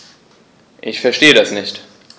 Ich verstehe das nicht.